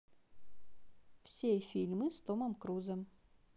все фильмы с томом крузом